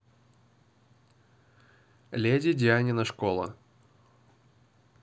леди дианина школа